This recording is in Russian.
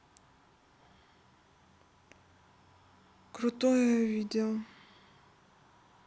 крутое видео